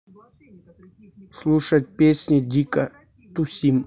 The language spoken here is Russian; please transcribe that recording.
слушать песни дико тусим